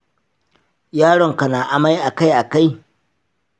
yaronka na amai akai-akai?